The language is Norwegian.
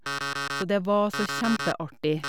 Så det var så kjempeartig.